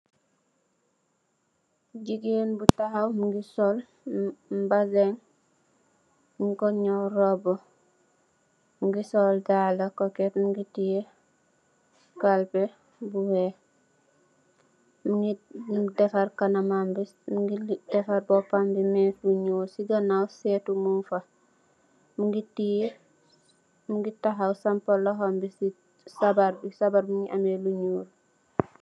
Jigenn bu takhaww, mungii soll mbaseh, mungiko nyaww robuu, soll dalaa koket mungii teh kalpeh bu wehk, mungii defarr kanamambii ak bopam bii, mungii deff mesyuu nyoul, mungii tahaww sampaa lohomm bii sii sabarr bii, ameh lu nyoul.